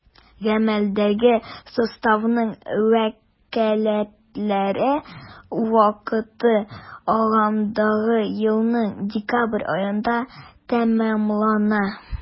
Гамәлдәге составның вәкаләтләре вакыты агымдагы елның декабрь аенда тәмамлана.